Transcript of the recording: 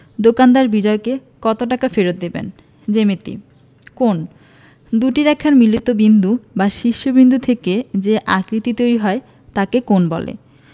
দোকানদার বিজয়কে কত টাকা ফেরত দেবেন জ্যামিতিঃ কোণঃ দুইটি রেখার মিলিত বিন্দু বা শীর্ষ বিন্দু থেকে যে আকৃতি তৈরি হয় তাকে কোণ বলে